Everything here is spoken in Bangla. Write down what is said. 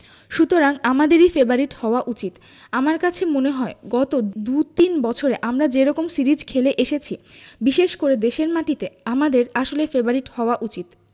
সুতরাং আমাদেরই ফেবারিট হওয়া উচিত আমার কাছে মনে হয় গত দু তিন বছরে আমরা যে রকম সিরিজ খেলে এসেছি বিশেষ করে দেশের মাটিতে আমাদের আসলে ফেবারিট হওয়া উচিত